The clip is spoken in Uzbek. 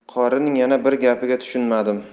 qorining yana bir gapiga tushunmadim